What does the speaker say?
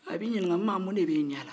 a b'i ɲininka n ma mun de b'i ɲɛ la